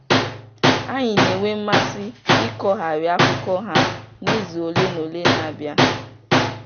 Anyị na-enwe mmasị ịkọgharị akụkọ ha n'izu olenaole na-abịa.